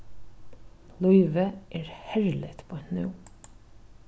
lívið er herligt beint nú